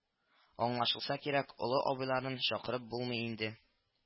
Аңлашылса кирәк, олы абыйларын чакырып булмый инде